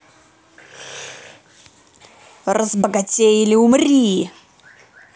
разбогатей или умри